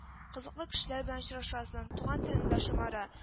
Кызыклы кешеләр белән очрашасың, туган телең дә шомара